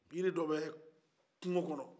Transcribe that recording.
yiri dɔ bɛ kungo kɔnɔ